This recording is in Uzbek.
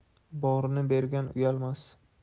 borini bergan uyalmas